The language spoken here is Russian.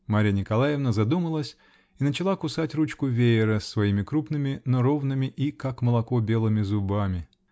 Марья Николаевна задумалась и начала кусать ручку веера своими крупными, но ровными и, как молоко, белыми зубами.